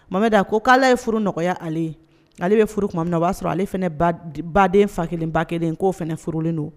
Ma a ko' ye furu nɔgɔya ale ye ale bɛ furu tuma min na o b'a sɔrɔ ale baden fa kelen ba kelen k'o fanaorolen don